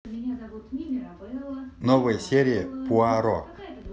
новые серии пуаро